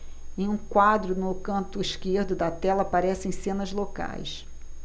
em um quadro no canto esquerdo da tela aparecem cenas locais